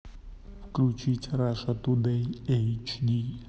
включить раша тудей эйч ди